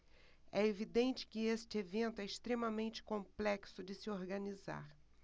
é evidente que este evento é extremamente complexo de se organizar